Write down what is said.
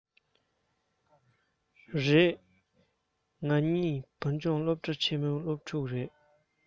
རེད ང གཉིས བོད ལྗོངས སློབ གྲ ཆེན མོའི སློབ ཕྲུག ཡིན